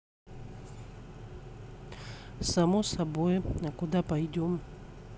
само собой а куда пойдем